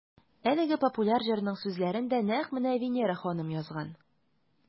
Әлеге популяр җырның сүзләрен дә нәкъ менә Винера ханым язган.